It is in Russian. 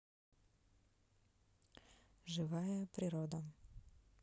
живая природа